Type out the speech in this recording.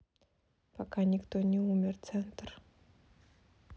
пока никто не умер центр